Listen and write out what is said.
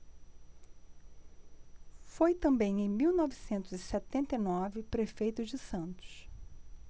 foi também em mil novecentos e setenta e nove prefeito de santos